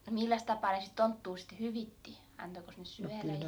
no milläs tapaa ne sitten tonttua sitten hyvitti antoikos ne syödä ja